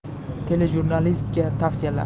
telejurnalistga tavsiyalar